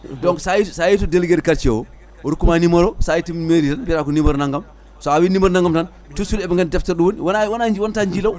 donc sa yeeyi sa yeeyi to délégué de quartier o o rokkuma numéro o sa yettiam mairie tan mbiyata ko numéro nanggam sa wi numéro nanggam tan tout de suit eɓe gandi deftere ɗo woni wona wona wonta jiilaw